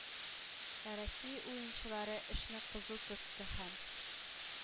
Ә Россия уенчылары эшне кызу тотты һәм